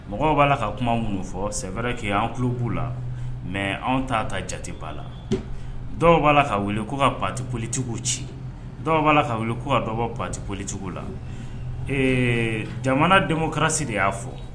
Mɔgɔw b'a la ka kuma minnu fɔ c'est que an tulo b'u la mais an t'a ta jate la quoi dɔw b'a kɛ wili ko ka partis politiques ci dɔw b'a la ka ko ka dɔ bɔ partis politiques la ee jamana démocratie de y'a fɔ.